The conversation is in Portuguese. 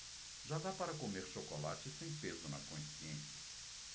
já dá para comer chocolate sem peso na consciência